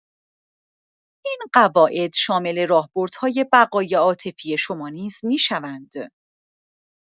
این قواعد شامل راهبردهای بقای عاطفی شما نیز می‌شوند.